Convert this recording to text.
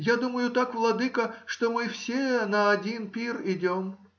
Я думаю так, владыко, что мы все на один пир идем.